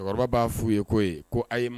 Cɛkɔrɔba b'a f'u ye koyi ko a ye